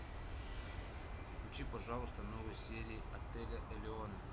включи пожалуйста новые серии отеля элеона